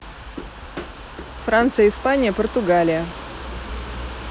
франция испания португалия